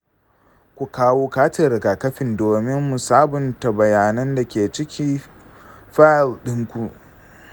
ku kawo katin rigakafin domin mu sabunta bayanan da ke cikin fayil ɗinku.